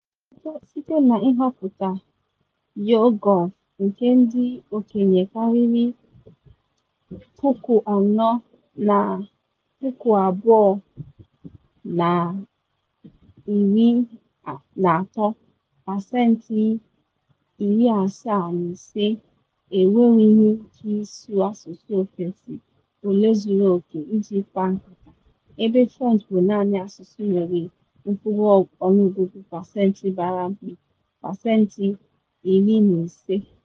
Site na nhọpụta YouGov nke ndị okenye karịrị 4,000 na 2013, pasentị 75 enwenwughi ike ịsụ asụsụ ofesi ole zuru oke iji kpaa nkata, ebe French bụ naanị asụsụ nwere mkpụrụọnụọgụ pasentị gbara mkpị, pasentị 15.